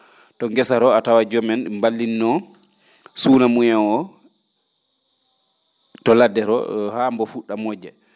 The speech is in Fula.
to ngesa roo a tawat joom en ?i mballitnoo suuna mu'en oo to ladde roo haa mbo fu??a mo?de